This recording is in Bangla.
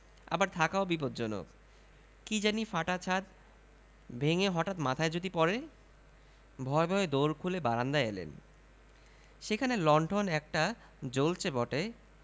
আবার থাকাও বিপজ্জনক কি জানি ফাটা ছাত ভেঙ্গে হঠাৎ মাথায় যদি পড়ে ভয়ে ভয়ে দোর খুলে বারান্দায় এলেন সেখানে লণ্ঠন একটা জ্বলচে বটে